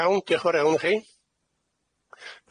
Iawn dioch fowr iawn chi.